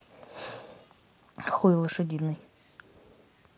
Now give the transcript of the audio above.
хуй лошадиный